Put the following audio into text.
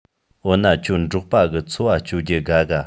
འོ ན ཁྱོད འབྲོག པ གི འཚོ བ སྤྱོད རྒྱུའོ དགའ ག